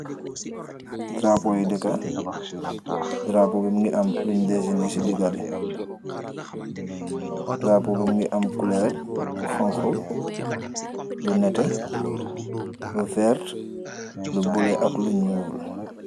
Drapeau yii dehkah, drapeau bi mungy am lungh dehsineh ci digah bi, drapeau bi mungy am couleur bu honhu, lu nehteh, lu vert, lu bleu ak lu njull.